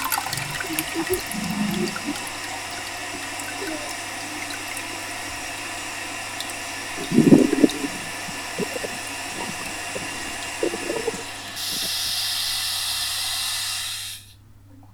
Waa labo katinad oo midabkoodu yahay dahabi waxay saaran yihiin miis midabkiisa ay caddaan